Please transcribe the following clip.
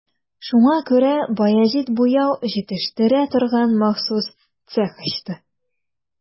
Шуңа күрә Баязит буяу җитештерә торган махсус цех ачты.